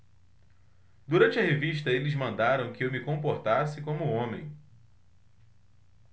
durante a revista eles mandaram que eu me comportasse como homem